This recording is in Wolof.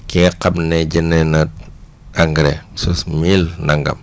ki nga xam ne jëndee na engrais su mille nangam